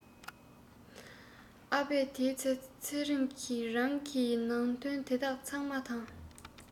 ཨ ཕས དེའི ཚེ ཚེ རིང གི རང གི གནད དོན དེ དག ཚང མ དང